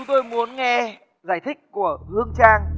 tôi muốn nghe giải thích của hương trang